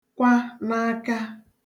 kwa naaka